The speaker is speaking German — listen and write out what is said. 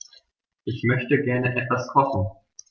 Ich möchte gerne etwas kochen.